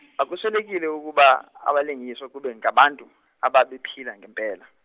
akuswelekile ukuba, abalingiswa kube ngabantu, ababephila ngempela.